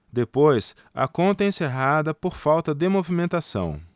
depois a conta é encerrada por falta de movimentação